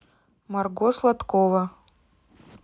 марго сладкова